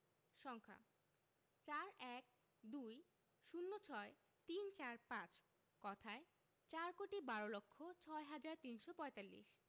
সংখ্যাঃ ৪ ১২ ০৬ ৩৪৫ কথায়ঃ চার কোটি বার লক্ষ ছয় হাজার তিনশো পঁয়তাল্লিশ